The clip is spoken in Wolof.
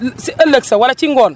li si ëllëg sa wala ci ngoon